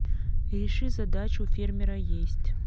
реши задачу у фермера есть